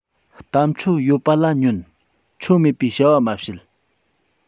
གཏམ ཆོ ཡོད པ ལ ཉོན ཆོ མེད པའི བྱ བ མ བྱེད